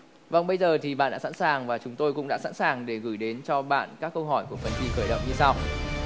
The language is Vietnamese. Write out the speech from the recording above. vâng bây giờ thì bạn đã sẵn sàng và chúng tôi cũng đã sẵn sàng để gửi đến cho bạn các câu hỏi của phần thi khởi động như sau